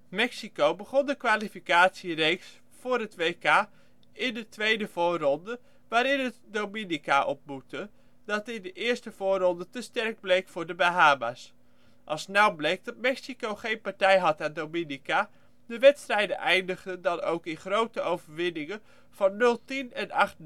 Mexico begon de kwalificatiereeks voor het WK in de tweede voorronde, waarin het Dominica ontmoette, dat in de eerste voorronde te sterk bleek voor de Bahama 's. Al snel bleek dat Mexico geen partij had aan Dominica, de wedstrijden eindigden dan ook in grote overwinningen van 0-10 en 8-0. De